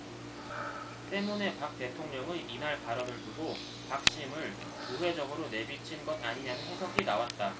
때문에 박 대통령의 이날 발언을 두고 박심 을 우회적으로 내비친 것 아니냐는 해석이 나왔다